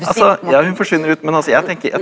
altså ja hun forsvinner ut men altså jeg tenker.